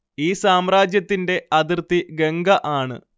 ഈ സാമ്രാജ്യത്തിന്റെ അതിർത്തി ഗംഗ ആണ്